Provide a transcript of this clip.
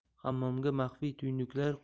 hammomga maxfiy tuynuklar